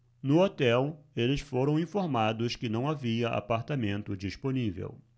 no hotel eles foram informados que não havia apartamento disponível